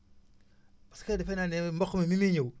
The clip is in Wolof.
parce que defe naa ne mboq mi bi muy ñëw